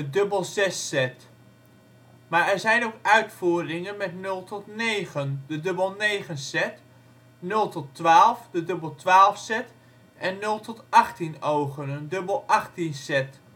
dubbel zes set) maar er zijn ook uitvoeringen met nul tot negen (dubbel negen set), nul tot twaalf (dubbel twaalf set) en nul tot achttien ogen (dubbel achttien set